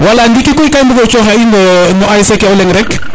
wala ndiki koy kam bug u o coxa in no ASC ke o leŋ rek